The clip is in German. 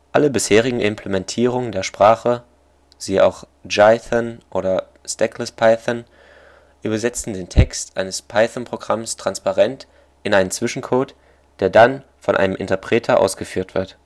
Alle bisherigen Implementierungen der Sprache (siehe auch Jython oder Stackless Python) übersetzen den Text eines Python-Programms transparent in einen Zwischencode, der dann von einem Interpreter ausgeführt wird